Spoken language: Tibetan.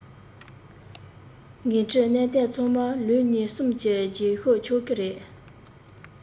འགན འཁྲིའི གནད དོན ཚང མ ལོ གཉིས གསུམ གྱི རྗེས ཤོད ཆོག གི རེད